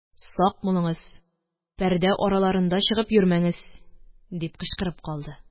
Сак булыңыз, пәрдә араларында чыгып йөрмәңез, – дип кычкырып калды